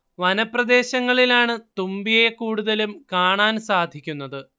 വനപ്രദേശങ്ങളിലാണ് തുമ്പിയെ കൂടുതലും കാണാൻ സാധിക്കുന്നത്